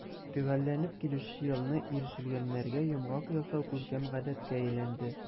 Төгәлләнеп килүче елны ирешелгәннәргә йомгак ясау күркәм гадәткә әйләнде.